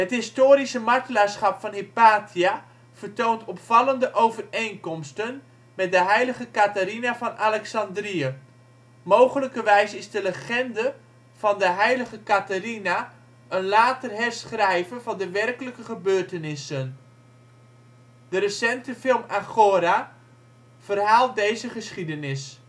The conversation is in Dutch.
historische martelaarschap van Hypatia vertoont opvallende overeenkomsten met de heilige Catharina van Alexandrië. Mogelijkerwijs is de legende van de heilige Catharina een later herschrijven van de werkelijke gebeurtenissen. De recente film AGORA, verhaalt deze geschiedenis